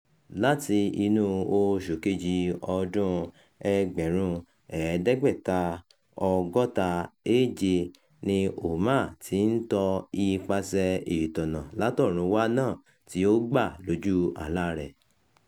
Láti inú oṣù kejì ọdún-un 1967, ni Ouma ti ń tọ ipasẹ̀ẹ ìtọ́nà látọ̀run wá náà tí ó gbà Iójú àláa rẹ̀.